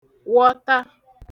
wọ̀ta